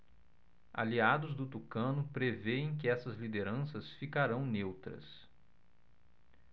aliados do tucano prevêem que essas lideranças ficarão neutras